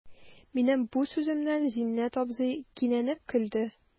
Минем бу сүземнән Зиннәт абзый кинәнеп көлде.